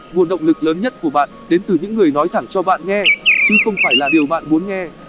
nguồn động lực lớn nhất của bạn đến từ những người ta nói thẳng cho bạn nghe chứ không phải là điều bạn muốn nghe